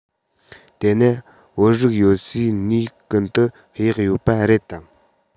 དེ ན བོད རིགས ཡོད སའི གནས ཀུན ཏུ གཡག ཡོད པ རེད དམ